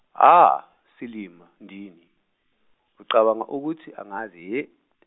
ah, silima ndini, ucabanga ukuthi angazi hhe?